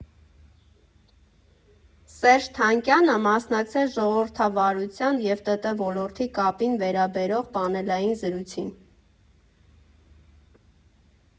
Սերժ Թանկյանը մասնակցեց ժողովրդավարություն և ՏՏ ոլորտի կապին վերաբերող պանելային զրույցին։